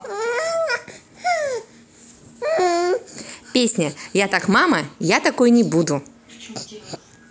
песня я так мама я такой не буду